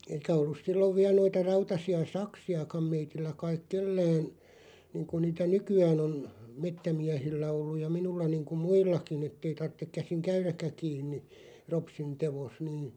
eikä ollut silloin vielä noita rautaisia saksiakaan meillä kai kenelläkään niin kuin niitä nykyään on metsämiehillä ollut ja minulla niin kuin muillakin että ei tarvitse käsin käydäkään kiinni ropsin teossa niin